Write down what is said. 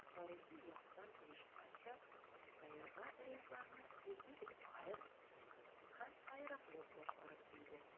Тарихи яктан оешканча, Каирга рейсларны Egypt Air һәм «Аэрофлот» башкарып килде.